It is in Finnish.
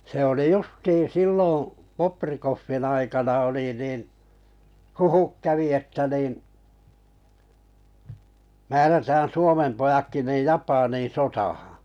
se oli justiin silloin Bobrikovin aikana oli niin huhut kävi että niin määrätään Suomen pojatkin niin Japaniin sotaan